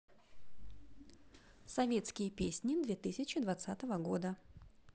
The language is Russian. советские песни две тысячи двадцатого года